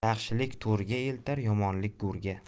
yaxshilik to'iga eltar yomonlik go'iga